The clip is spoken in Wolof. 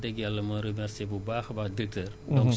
ci biir développement rawatina bu Louga